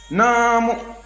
naamu